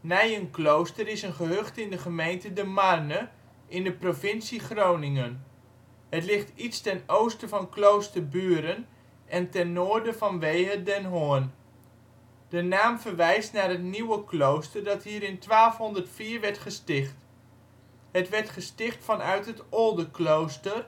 Nijenklooster is een gehucht in de gemeente De Marne in de provincie Groningen. Het ligt iets ten oosten van Kloosterburen, en ten noorden van Wehe-den Hoorn. De naam verwijst naar het Nieuwe klooster dat hier in 1204 werd gesticht. Het werd gesticht vanuit het Oldeklooster,